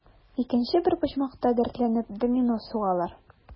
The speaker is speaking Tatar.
Икенче бер почмакта, дәртләнеп, домино сугалар.